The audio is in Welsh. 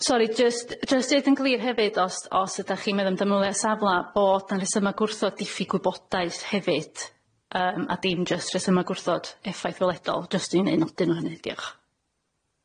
Sori jyst jyst deud yn glir hefyd os os ydach chi'n meddwl am ymwelia at safle bod na rhesymau gwrthod diffyg gwybodaeth hefyd yym a dim jyst rhesymau gwrthod effaith gwledol jyst i wneud nodyn o hynny diolch.